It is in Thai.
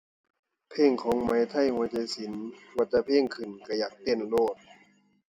เพลงของไหมไทย หัวใจศิลป์ ว่าแต่เพลงขึ้นก็อยากเต้นโลด